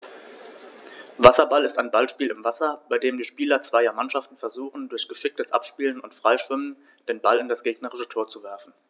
Wasserball ist ein Ballspiel im Wasser, bei dem die Spieler zweier Mannschaften versuchen, durch geschicktes Abspielen und Freischwimmen den Ball in das gegnerische Tor zu werfen.